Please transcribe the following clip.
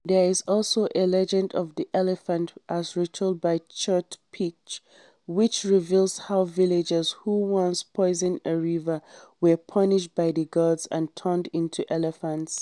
There is also the legend of the elephant as retold by Chhot Pich which reveals how villagers who once poisoned a river were punished by the gods and turned into elephants.